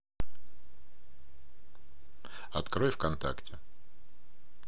открой вконтакте